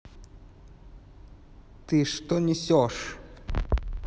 ты что несешь